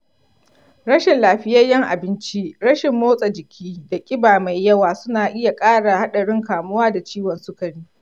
rashin lafiyeyen abinci, rashin motsa jiki, da kiba mai yawa suna iya ƙara haɗarin kamuwa da ciwon sukari.